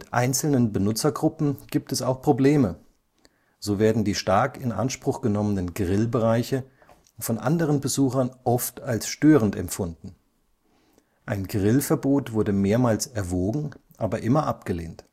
einzelnen Nutzergruppen gibt es auch Probleme, so werden die stark in Anspruch genommenen Grillbereiche von anderen Besuchern oft als störend empfunden. Ein Grillverbot wurde mehrmals erwogen, aber immer abgelehnt